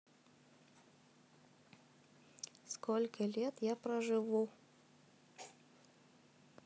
сколько лет я проживу